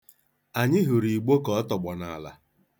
Anyị hụrụ igbo ka ọ tọgbọ n'ala.